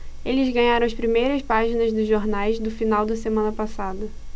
eles ganharam as primeiras páginas dos jornais do final da semana passada